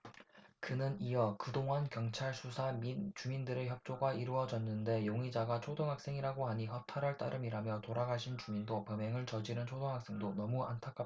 그는 이어 그동안 경찰 수사 및 주민들의 협조가 이뤄졌는데 용의자가 초등학생이라고 하니 허탈할 따름이라며 돌아가신 주민도 범행을 저지른 초등학생도 너무 안타깝다고 덧붙였다